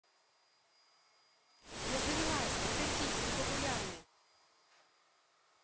я завелась прокатись мы погуляли